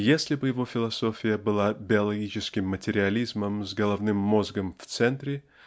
если бы его философия была биологическим материализмом с головным мозгом в центре